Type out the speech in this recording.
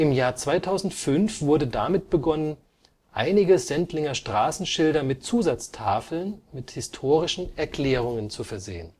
Jahr 2005 wurde damit begonnen, einige Sendlinger Straßenschilder mit Zusatztafeln mit historischen Erklärungen zu versehen